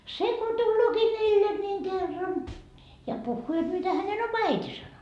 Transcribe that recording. se kun tuleekin meille niin kerran ja puhuu jotta mitä hänen oma äiti sanoi